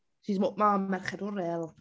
She's wha- ma- merched o Rhyl.